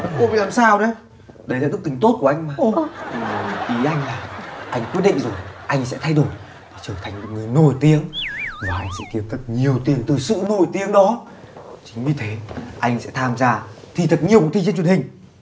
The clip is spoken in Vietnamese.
cô bị làm sao đấy đấy là đức tính tốt của anh cơ mà í anh là anh quyết định anh sẽ thay đổi trở thành người nổi tiếng và anh sẽ kiếm thật nhiều tiền từ sự nổi tiếng đó chính vì thế anh sẽ tham gia thi thật nhiều cuộc thi trên truyền hình